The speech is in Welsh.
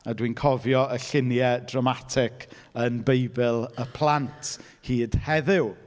A dwi'n cofio y lluniau dramatic yn Beibl y Plant hyd heddiw.